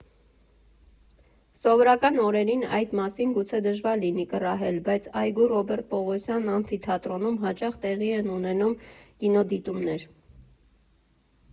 Սովորական օրերին այդ մասին գուցե դժվար լինի կռահել, բայց այգու Ռոբերտ Պողոսյան ամֆիթատրոնում հաճախ տեղի են ունենում կինոդիտումներ.